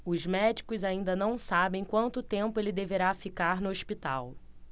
os médicos ainda não sabem quanto tempo ele deverá ficar no hospital